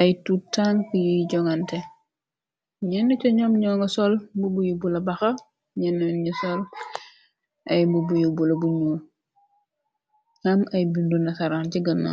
Ay tuu tank yiy jonante ñenn co ñoom ñoo ngo sol mbubbu yu bula baxa ñenn ñu sol ay mbubbu yu bula bu ñu xam ay bindu na saraan ci gënna